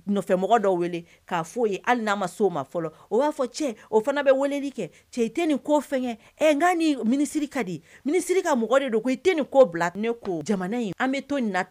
Hali o b'a fɔ cɛ o fana bɛ wele kɛ cɛ i tɛ nin ko nsiri ka disiri ka mɔgɔ de don ko i tɛ nin ko bila ne ko jamana in an bɛ to na